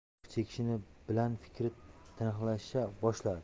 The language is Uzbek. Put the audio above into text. og'riq chekinishi bilan fikri tiniqlasha boshladi